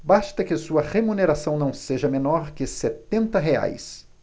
basta que sua remuneração não seja menor que setenta reais